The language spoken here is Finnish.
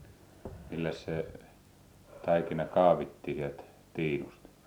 milläs se taikina kaavittiin sieltä tiinusta